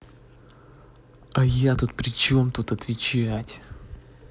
а я тут причем тут отвечать